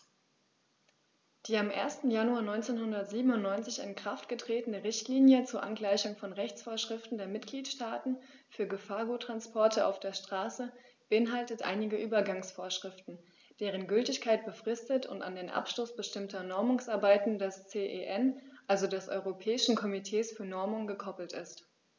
Die am 1. Januar 1997 in Kraft getretene Richtlinie zur Angleichung von Rechtsvorschriften der Mitgliedstaaten für Gefahrguttransporte auf der Straße beinhaltet einige Übergangsvorschriften, deren Gültigkeit befristet und an den Abschluss bestimmter Normungsarbeiten des CEN, also des Europäischen Komitees für Normung, gekoppelt ist.